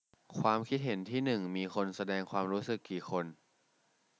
ความคิดเห็นที่หนึ่งมีคนแสดงความรู้สึกกี่คน